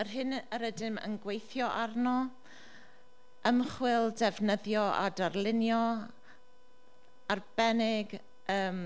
Yr hyn yr ydym yn gweithio arno: ymchwil defnyddio a darlunio, arbennig yym